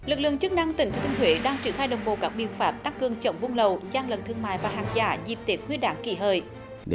lực lượng chức năng tỉnh thừa thiên huế đang triển khai đồng bộ các biện pháp tăng cường chống buôn lậu gian lận thương mại và hàng giả dịp tết nguyên đán kỷ hợi